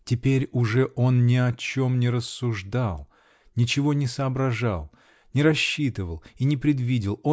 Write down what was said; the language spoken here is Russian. Теперь уже он ни о чем не рассуждал, ничего не соображал, не рассчитывал и не предвидел